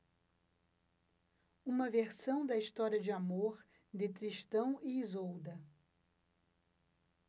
uma versão da história de amor de tristão e isolda